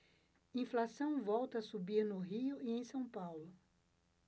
inflação volta a subir no rio e em são paulo